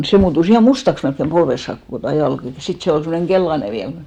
se muuttui ihan mustaksi melkein polveen saakka koko tuo jalka ja sitten se oli semmoinen keltainen vielä mutta